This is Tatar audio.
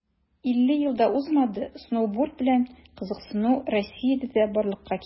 50 ел да узмады, сноуборд белән кызыксыну россиядә дә барлыкка килде.